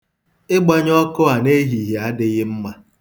Ịgbanye ọkụ a n'ehihie adịghị mma.